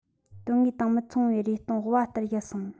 དོན དངོས དང མི མཚུངས པའི རེ སྟོང དབུ བ ལྟར ཡལ སོང